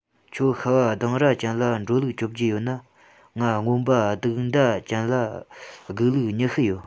ཁྱོད ཤྭ བ དུང རྭ ཅན ལ འགྲོ ལུགས བཅོ བརྒྱད ཡོད ན ང རྔོན པ དུག མདའ ཅན ལ སྒུག ལུགས ཉི ཤུ ཡོད